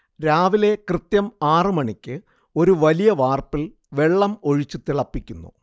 രാവിലെ കൃത്യം ആറ് മണിക്ക് ഒരു വലിയ വാർപ്പിൽ വെള്ളം ഒഴിച്ചു തിളപ്പിക്കുന്നു